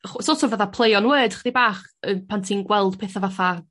Sort of fatha play on word chydig bach yy pan ti'n gweld petha fatha